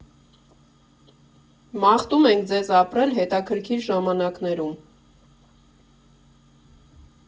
«Մաղթում ենք ձեզ ապրել հետաքրքիր ժամանակներում»։